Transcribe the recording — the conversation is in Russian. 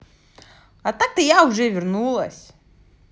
а так то я уже вернулась